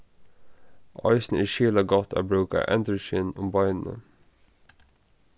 eisini er skilagott at brúka endurskin um beinini